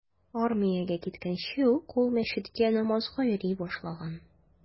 Армиягә киткәнче ук ул мәчеткә намазга йөри башлаган.